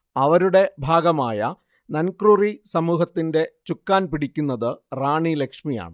അവരുടെ ഭാഗമായ നൻക്രുറി സമൂഹത്തിന്റെ ചുക്കാൻ പിടിക്കുന്നത് റാണി ലക്ഷ്മിയാണ്